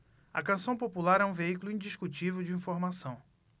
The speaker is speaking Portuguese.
a canção popular é um veículo indiscutível de informação